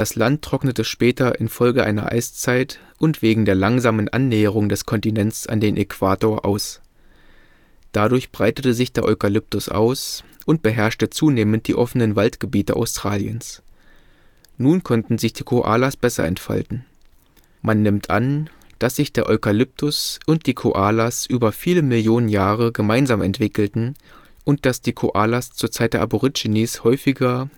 Land trocknete später infolge einer Eiszeit und wegen der langsamen Annäherung des Kontinents an den Äquator aus. Dadurch breitete sich der Eukalyptus aus und beherrschte zunehmend die offenen Waldgebiete Australiens. Nun konnten sich die Koalas besser entfalten. Man nimmt an, dass sich der Eukalyptus und die Koalas über viele Millionen Jahre gemeinsam entwickelten und dass die Koalas zur Zeit der Aborigines häufiger